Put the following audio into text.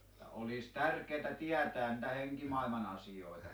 ja olisi tärkeää tietää niitä henkimaailman asioita